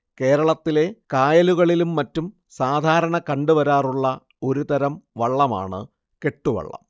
കേരളത്തിലെ കായലുകളിലും മറ്റും സാധാരണ കണ്ടുവരാറുള്ള ഒരു തരം വള്ളമാണ് കെട്ടുവള്ളം